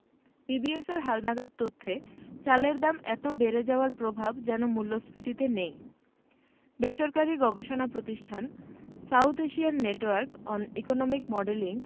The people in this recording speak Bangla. বিবিএসের হালনাগাদ তথ্যে চালের দাম এত বেড়ে যাওয়ার প্রভাব যেন মূল্যস্ফীতিতে নেই বেসরকারি গবেষণা প্রতিষ্ঠান South Asian Network on Economic modelling